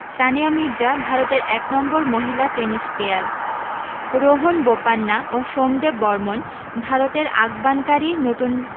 সানিয়া মির্জা ভারতের একনম্বর মহিলা টেনিস প্লেয়ার রোহন বোপান্না ও সোমদেব বরমন ভারতের আগবান কারি নতুন